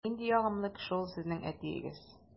Нинди ягымлы кеше ул сезнең әтиегез!